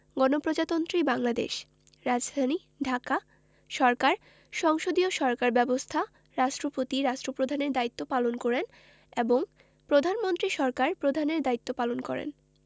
গণপ্রজাতন্ত্রী বাংলাদেশ রাজধানীঃ ঢাকা সরকারঃ সংসদীয় সরকার ব্যবস্থা রাষ্ট্রপতি রাষ্ট্রপ্রধানের দায়িত্ব পালন করেন এবং প্রধানমন্ত্রী সরকার প্রধানের দায়িত্ব পালন করেন